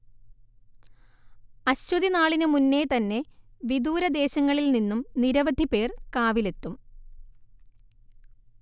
അശ്വതിനാളിനു മുന്നേ തന്നെ വിദൂരദേശങ്ങളിൽ നിന്നും നിരവധി പേർ കാവിലെത്തും